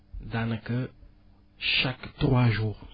daanaka chaque trois jours